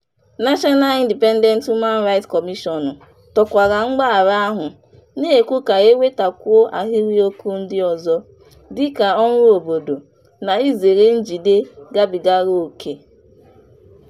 National Independent Human Rights Commission tokwara mgbaghara ahụ, na-ekwu ka e nwetakwuo ahịrịokwu ndị ọzọ, dịka ọrụ obodo, na izere njide gabigara ókè.